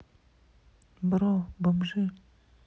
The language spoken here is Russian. бро бомжи